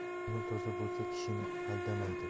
ko'ngil toza bo'lsa kishini aldamaydir